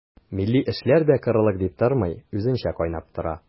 Милли эшләр дә корылык дип тормый, үзенчә кайнап тора.